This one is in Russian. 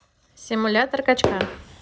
симулятор качка